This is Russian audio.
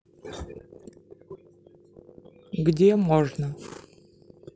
где можно